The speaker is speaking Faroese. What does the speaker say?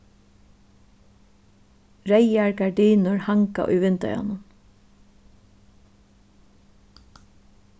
reyðar gardinur hanga í vindeyganum